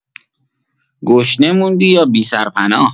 گشنه موندی یا بی‌سرپناه؟